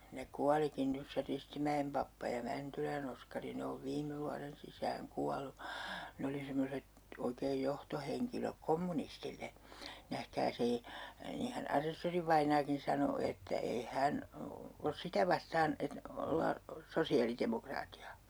nähkääs ei niinhän asessorivainaakin sanoi että ei hän ole sitä vastaan että ollaan sosiaalidemokraatteja